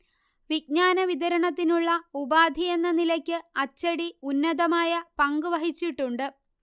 വിജ്ഞാന വിതരണത്തിനുള്ള ഉപാധിയെന്ന നിലയ്ക്ക് അച്ചടി ഉന്നതമായ പങ്കുവഹിച്ചിട്ടുണ്ട്